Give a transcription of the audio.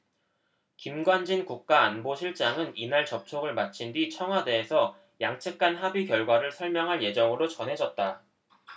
김관진 국가안보실장은 이날 접촉을 마친 뒤 청와대에서 양측간 협의 결과를 설명할 예정으로 전해졌다